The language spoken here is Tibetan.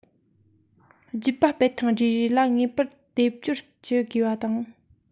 རྒྱུད པ སྤེལ ཐེངས རེ རེ ལ ངེས པར སྡེབ སྦྱོར བགྱི དགོས པ དང